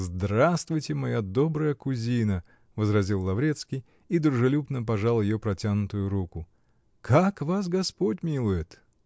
-- Здравствуйте, моя добрая кузина, -- возразил Лаврецкий и дружелюбно пожал ее протянутую руку. -- Как вас господь милует?